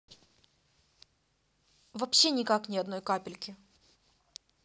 вообще никак не одной капельки